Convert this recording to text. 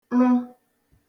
rụ